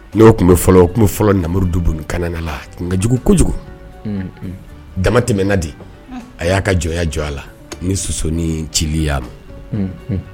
N'o bɛ fɔlɔ o tun bɛ fɔlɔ namurudk la kojugu kojugu dama tɛmɛnna de a y'a ka jɔn jɔ a la ni susannin ci' ma